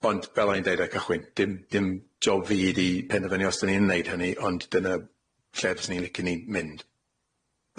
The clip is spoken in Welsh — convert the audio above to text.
ond fel o'n i'n deud ar y cychwyn dim dim job fi ydi penderfynu os 'dyn ni'n 'neud hynny ond dyna lle fyswn i'n lici'n i mynd.